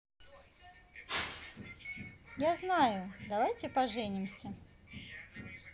я знаю давайте поженимся